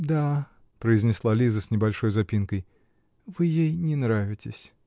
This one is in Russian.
-- Да, -- произнесла Лиза с небольшой запинкой, -- вы ей не нравитесь.